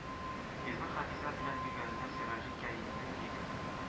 Физның хафизә белән йөргәненә сираҗи кәрименең бик